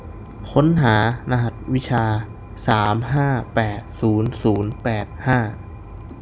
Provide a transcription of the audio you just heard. ค้นหารหัสวิชาสามห้าแปดศูนย์ศูนย์แปดห้า